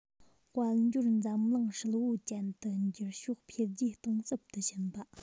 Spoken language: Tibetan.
དཔལ འབྱོར འཛམ གླིང ཧྲིལ པོ ཅན དུ འགྱུར ཕྱོགས འཕེལ རྒྱས གཏིང ཟབ ཏུ ཕྱིན པ